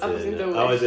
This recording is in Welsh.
A bod hi'n dywyll...